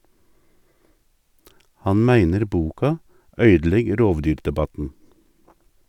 Han meiner boka øydelegg rovdyrdebatten.